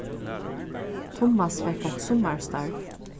tummas fekk eitt summarstarv